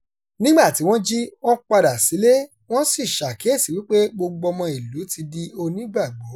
Nígbà tí wọ́n jí, wọ́n padà sílé, wọ́n sì ṣàkíyèsí wípé gbogbo ọmọ ìlú ti di ònígbàgbọ́.